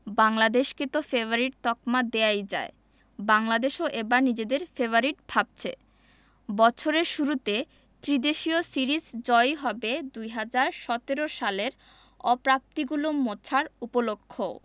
বাংলাদেশকে তো ফেবারিট তকমা দেওয়াই যায় বাংলাদেশও এবার নিজেদের ফেবারিট ভাবছে বছরের শুরুতে ত্রিদেশীয় সিরিজ জয়ই হবে ২০১৭ সালের অপ্রাপ্তিগুলো মোছার উপলক্ষও